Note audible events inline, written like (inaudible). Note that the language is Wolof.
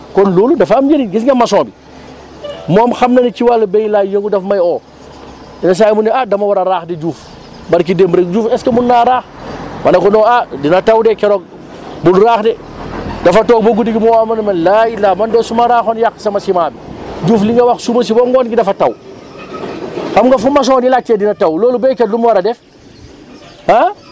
kon loolu dafa am njëriñ gis nga maçon bi (noise) moom xam na ne ci wàllu béy laay yëngu daf may oo (noise) yenn saa yi mu ne ah dama war a raax de Diouf (noise) barki démb rek Diouf est ce que mun naa raax (noise) ma ne ko non ah dina taw de keroog (noise) bul raax de (noise) dafa toog ba guddi gi mu woo ma ne ma laaillah man de su ma raaxoon yàq sama ciment (noise) Diouf li nga wax suba si ba ngoon gi dafa taw (noise) xam nga fu maçon di laajtee dina taw loolu béykat lu mu war a def (noise) ah